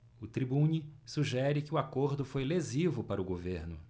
o tribune sugere que o acordo foi lesivo para o governo